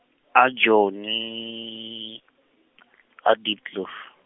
a Joni , a Diepkloof.